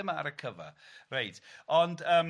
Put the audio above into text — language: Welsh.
yma ar y cyfa reit ond yym